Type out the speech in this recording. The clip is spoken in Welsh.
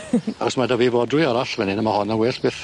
Achos ma' 'dy fi fodrwy arall fan 'yn a ma' hon yn well byth.